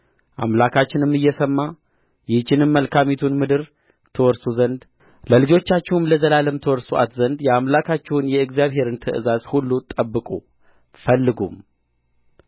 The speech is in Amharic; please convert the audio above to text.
አምላካችንም እየሰማ ይህችን መልካሚቱን ምድር ትወርሱ ዘንድ ለልጆቻችሁም ለዘላለም ታወርሱአት ዘንድ የአምላካችሁን የእግዚአብሔርን ትእዛዝ ሁሉ ጠብቁ ፈልጉም